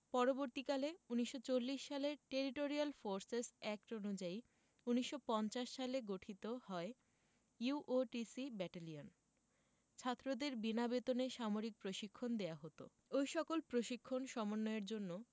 পরবর্তীকালে ১৯৪০ সালের territorial forces act অনুযায়ী ১৯৫০ সালে গঠিত হয় ইউওটিসি ব্যাটালিয়ন ছাত্রদের বিনা বেতনে সামরিক প্রশিক্ষণ দেওয়া হতো ওই সকল প্রশিক্ষণ সমন্বয়ের জন্য